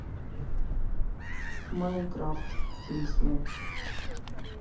майнкрафт песня